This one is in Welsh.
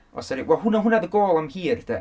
Os dan ni, wel hwnna, hwnna oedd y goal am hir, 'de?